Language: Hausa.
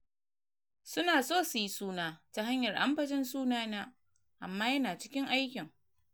Su na so su yi suna ta hanyar ambaton suna na, amma yana cikin aikin.